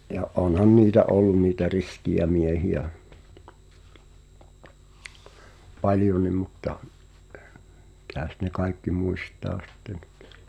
ja onhan niitä ollut niitä riskejä miehiä paljonkin mutta mikäs ne kaikki muistaa sitten nyt